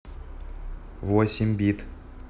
восемь бит